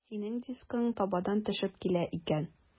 Синең дискың табадан төшеп килә икән.